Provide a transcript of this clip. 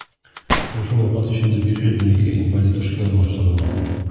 Шушы вакыт эчендә 512 инвалид эшкә урнаштырылган.